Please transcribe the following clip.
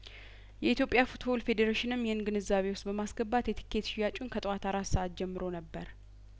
የኢትዮጵያ ፉትቦል ፌዴሬሽንም ይህን ግንዛቤ ውስጥ በማስገባት የቲኬት ሽያጩን ከጠዋት አራት ሰአት ጀምሮ ነበር